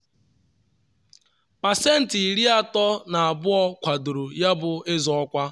Pesentị Iri atọ na abụọ kwadoro yabụ ịzọ ọkwa.